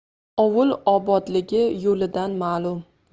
ovul obodligi yo'lidan ma'lum